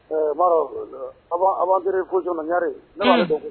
Ɛ n b'a dɔn aventurier position na Ɲare, un, ne b'a le dɔn kosɛbɛ